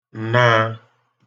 ǹnaā